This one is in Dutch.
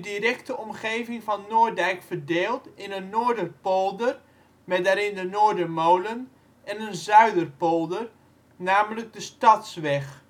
directe omgeving van Noorddijk verdeelt in een Noorder Polder (met daarin de Noordermolen) en een Zuider Polder, namelijk de Stadsweg.